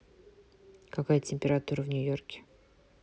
какая температура в нью йорке